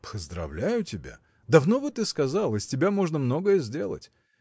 – Поздравляю тебя, давно бы ты сказал: из тебя можно многое сделать.